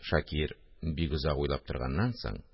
Шакир, бик озак уйлап торганнан соң: